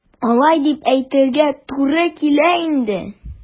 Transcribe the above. Алай дип әйтергә туры килә инде.